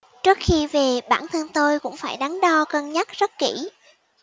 trước khi về bản thân tôi cũng phải đắn đo cân nhắc rất kỹ